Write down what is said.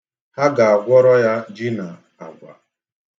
Ha ga-agwọrọ ya ji na agwa.